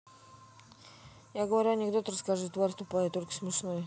я говорю анекдот расскажи тварь тупая только смешной